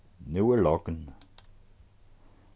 nú er logn